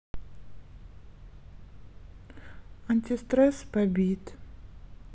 антистресс побит